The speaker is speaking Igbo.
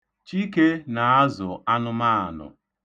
Chike na-azụ anụmaanụ.